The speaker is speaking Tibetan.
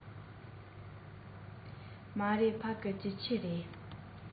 ངས ཨ ཕར སྐྱེལ མ གནང མི དགོས ཞེས ཡང ཡང ཞུས ཀྱང ཁོང གིས སྐྱོན མེད ཁོ ཚོར བློས མི འཁེལ ཞེས གསུངས